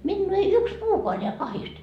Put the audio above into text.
minua ei yksi puukaan näe kahdiste